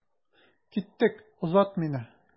Киттек, озат мине.